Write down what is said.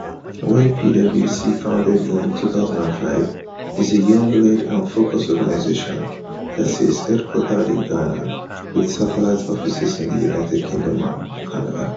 YPWC, founded in 2005, is a youth-led and -focused organisation that is headquartered in Ghana, with satellite offices in the United Kingdom and Canada.